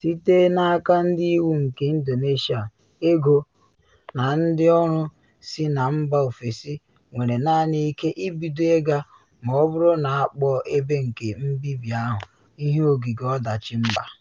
Site n’aka ndị iwu nke Indonesia, ego, ngwa na ndị ọrụ si na mba ofesi nwere naanị ike ibido ịga ma ọ bụrụ na akpọọ ebe nke mbibi ahụ ihe ogige ọdachi mba.